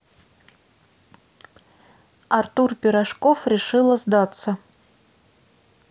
артур пирожков решила сдаться